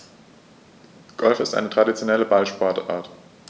Golf ist eine traditionelle Ballsportart.